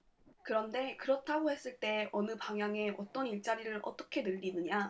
그런데 그렇다고 했을 때 어느 방향의 어떤 일자리를 어떻게 늘리느냐